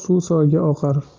suv soyga oqar